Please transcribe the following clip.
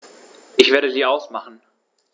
Ich werde sie ausmachen.